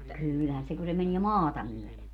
kyllähän se kun se menee maata myöden